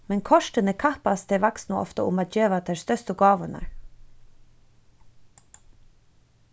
men kortini kappast tey vaksnu ofta um at geva tær størstu gávurnar